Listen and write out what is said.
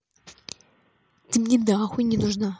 ты мне нахуй не нужна